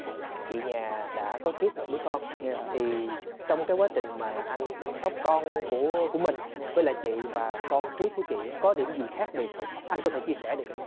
chị nhà đã có trước một đứa con dạ thì trong cái quá trình mà là anh chăm sóc con của của mình với lại chị và con trước của chị á có điểm gì khác biệt không anh có thể chia sẻ được không